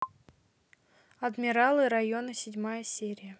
адмиралы района седьмая серия